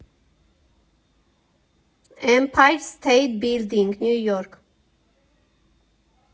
Էմփայր Սթեյթ Բիլդինգ, Նյու Յորք։